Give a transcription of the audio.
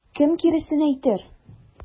Кем киресен әйтер?